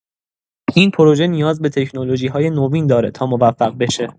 این پروژه نیاز به تکنولوژی‌های نوین داره تا موفق بشه.